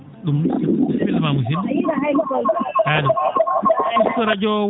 ?um bisimilla ma musid?o allo ustu radio o